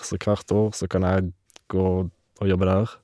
Så hvert år så kan jeg gå og jobbe der.